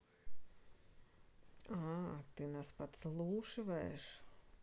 а ты нас подслушиваешь